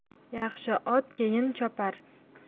yaxshi ot keyin chopar